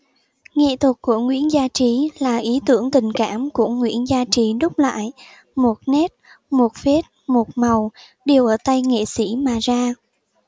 nghệ thuật của nguyễn gia trí là ý tưởng tình cảm của nguyễn gia trí đúc lại một nét một vết một màu đều ở tay nghệ sĩ mà ra